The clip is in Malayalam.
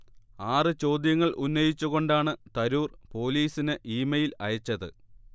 ആറ് ചോദ്യങ്ങൾ ഉന്നയിച്ചുകൊണ്ടാണ് തരൂർ പോലീസിന് ഇമെയ്ൽ അയച്ചത്